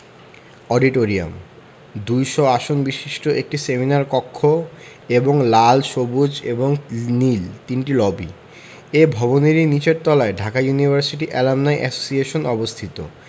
auditorium ২০০ আসন বিশিষ্ট একটি সেমিনার কক্ষ এবং লাল সবুজ এবং নীল তিনটি লবি এ ভবনেরই নিচের তলায় ঢাকা ইউনিভার্সিটি এলামনাই এসোসিয়েশন অবস্থিত